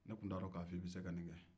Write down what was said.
ne tun t'a dɔn k'i bɛ se ka nin kɛ